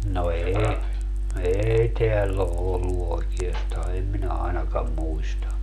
no ei ei täällä ole ollut oikeastaan en minä ainakaan muista